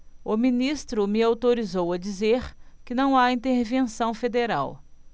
o ministro me autorizou a dizer que não há intervenção federal